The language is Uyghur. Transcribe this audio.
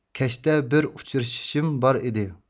كەچتە بىر ئۇچرىشىشىم بار ئىدى